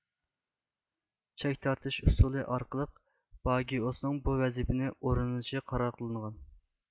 چەك تارتىش ئۇسۇلى ئارقىلىق باگئوسنىڭ بۇ ۋەزىپىنى ئورۇنلىشى قارار قىلىنغان